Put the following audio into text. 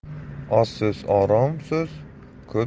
oz so'z orom so'z